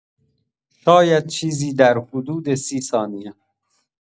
شاید چیزی در حدود سی ثانیه!